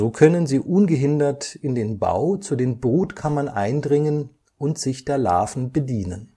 können sie ungehindert in den Bau zu den Brutkammern eindringen und sich der Larven bedienen